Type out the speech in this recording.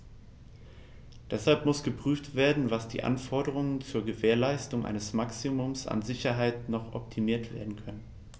Deshalb muss geprüft werden, wie die Anforderungen zur Gewährleistung eines Maximums an Sicherheit noch optimiert werden können.